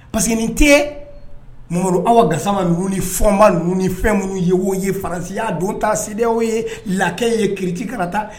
Parce que tɛ aw gasamauni fɔma ninnu fɛn minnu ye'o ye faransiya don tasi ye la ye kiriti karatata